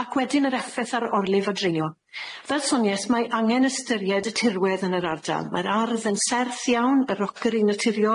Ac wedyn yr effeth ar orlif o dreinio, fel sonies mae angen ystyried y tirwedd yn yr ardal. Mae'r ardd yn serth iawn, y rocyri naturiol.